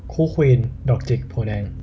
คู่ควีนดอกจิกโพธิ์แดง